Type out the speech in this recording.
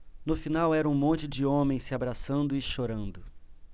no final era um monte de homens se abraçando e chorando